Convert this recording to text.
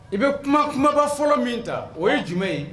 I bɛ kuma kumaba fɔlɔ min ta o ye jumɛn ye